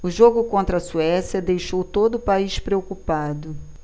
o jogo contra a suécia deixou todo o país preocupado